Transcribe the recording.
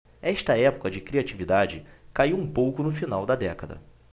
esta época de criatividade caiu um pouco no final da década